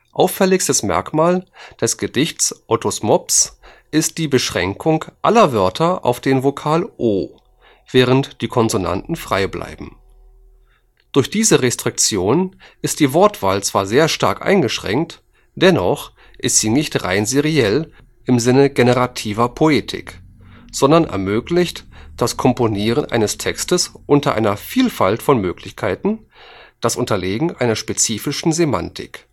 Auffälligstes Merkmal des Gedichts ottos mops ist die Beschränkung aller Wörter auf den Vokal o, während die Konsonanten frei bleiben. Durch diese Restriktion ist die Wortwahl zwar stark eingeschränkt, dennoch ist sie nicht rein seriell im Sinne generativer Poetik, sondern ermöglicht das Komponieren eines Textes unter einer Vielfalt von Möglichkeiten, das Unterlegen einer spezifischen Semantik